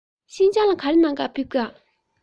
ཤིན ཅང ལ ག རེ གནང ག ཕེབས འགྲོ ག